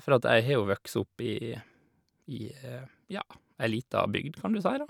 For at jeg har jo vokst opp i i, ja, ei lita bygd, kan du si, da.